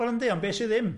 Wel, yndi, ond be sydd ddim?